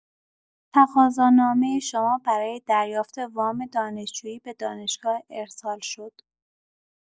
تقاضانامۀ شما برای دریافت وام دانشجویی به دانشگاه ارسال شد.